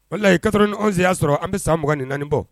Walayi kar anse y'a sɔrɔ an bɛ san mugan2 naani bɔ